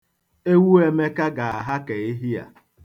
Ewu Emeka ga-aha ka ehi a.